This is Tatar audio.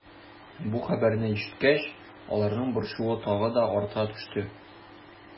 Бу хәбәрне ишеткәч, аларның борчуы тагы да арта төште.